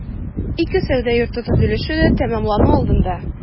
Ике сәүдә йорты төзелеше дә тәмамлану алдында.